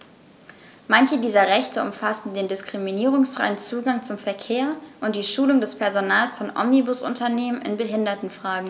Manche dieser Rechte umfassen den diskriminierungsfreien Zugang zum Verkehr und die Schulung des Personals von Omnibusunternehmen in Behindertenfragen.